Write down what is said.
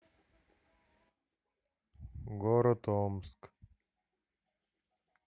город омск